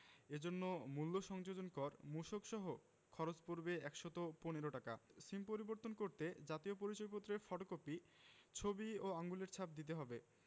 এ জন্য মূল্য সংযোজন কর মূসক সহ খরচ পড়বে ১১৫ টাকা সিম পরিবর্তন করতে জাতীয় পরিচয়পত্রের ফটোকপি ছবি ও আঙুলের ছাপ দিতে হবে